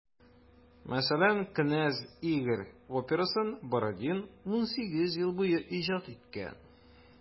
Мәсәлән, «Кенәз Игорь» операсын Бородин 18 ел буе иҗат иткән.